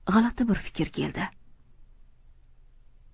g'alati bir fikr keldi